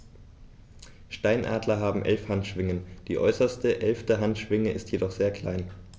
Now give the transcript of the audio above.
Steinadler haben 11 Handschwingen, die äußerste (11.) Handschwinge ist jedoch sehr klein.